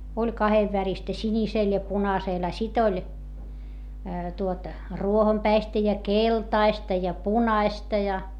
oli kahdenväristä sinisellä ja punaisella a sitten oli tuota ruohonpäistä ja keltaista ja punaista ja